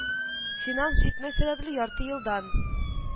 Финанс җитмәү сәбәпле, ярты елдан